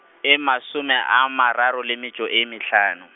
e masome a mararo le metšo e mehlano.